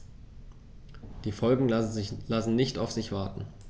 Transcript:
Die Folgen lassen nicht auf sich warten.